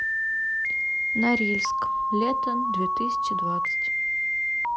норильск лето две тысячи двадцать